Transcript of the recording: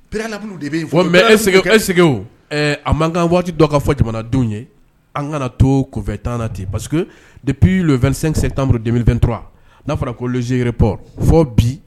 Pere de bɛ mɛ ese a man ka waati dɔ ka fɔ jamanadenw ye an kana tofɛtan na ten basi de ppi fɛn2sɛnsɛ tanmurutɔ n'a fɔra ko zerep fɔ bi